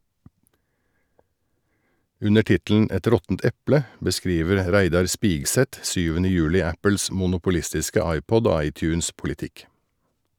Under tittelen "Et råttent eple" beskriver Reidar Spigseth 7. juli Apples monopolistiske iPod- og iTunes-politikk.